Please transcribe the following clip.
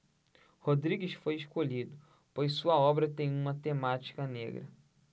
rodrigues foi escolhido pois sua obra tem uma temática negra